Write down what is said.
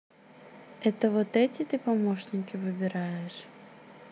это вот эти помощники выбираешь